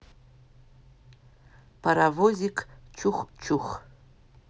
паровозик чух чух